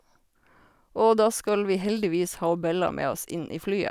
Og da skal vi heldigvis ha hun Bella med oss inn i flyet.